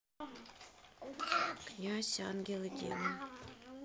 князь ангел и демон